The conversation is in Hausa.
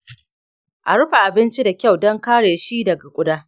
a rufe abinci da kyau don kare shi daga ƙuda.